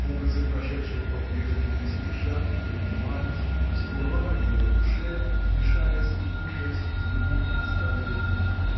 Образы прошедшего по-прежнему, не спеша, поднимались, всплывали в его душе, мешаясь и путаясь с другими представлениями.